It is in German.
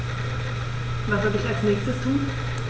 Was soll ich als Nächstes tun?